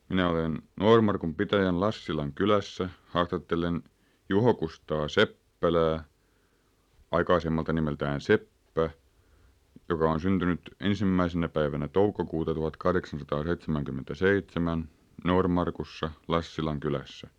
minä olen Noormarkun pitäjän Lassilan kylässä haastattelen Juho Kustaa Seppälää aikaisemmalta nimeltään Seppä joka on syntynyt ensimmäisenä päivänä toukokuuta tuhatkahdeksansataaseitsemänkymmentäseitsemän Noormarkussa Lassilan kylässä